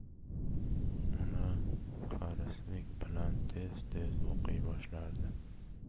uni harislik bilan tez tez o'qiy boshlardi